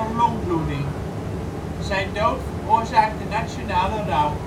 longbloeding. Zijn dood veroorzaakte nationale rouw